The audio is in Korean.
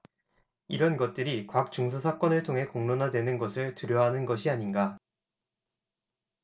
이런 것들이 곽 중사 사건을 통해 공론화되는 것을 두려워하는 것이 아닌가